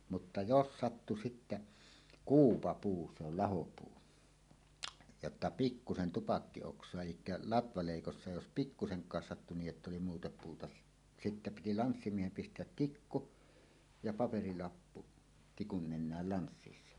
mutta jos sattui sitten kuupapuu se oli lahopuu jotta pikkuisen tupakkioksaa - eli latvaleikossa jos pikkuisenkaan sattui niin että oli muuta puuta sitten piti lanssimiehen pistää tikku ja paperilappu tikun nenään lanssissa